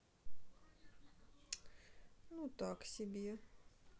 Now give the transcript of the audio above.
ну так себе